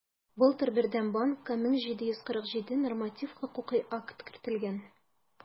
Былтыр Бердәм банкка 1747 норматив хокукый акт кертелгән.